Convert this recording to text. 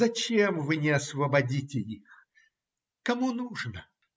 Зачем вы не освободите их? Кому нужно.